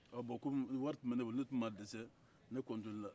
bɔn kɔmi wari tun bɛ ne bolo ne tun ma dɛsɛ ne kɔntiniyera